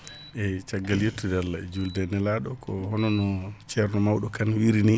eyyi caggal yettude allah e juulde nelaɗo ko honono ceerno mawdo Kane wirini